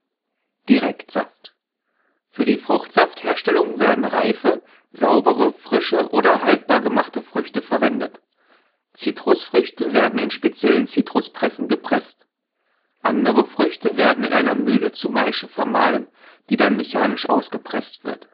Direktsaft: Für die Fruchtsaftherstellung werden reife, saubere, frische oder haltbar gemachte Früchte verwendet. Zitrusfrüchte werden in speziellen Zitruspressen gepresst. Andere Früchte werden in einer Mühle zu Maische vermahlen, die dann mechanisch ausgepresst wird